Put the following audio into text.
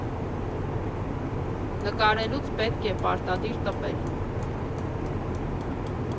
Նկարելուց պետք է պարտադիր տպել։